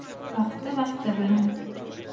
vaqti vaqti bilan